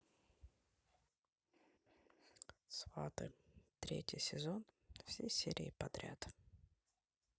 сваты третий сезон все серии подряд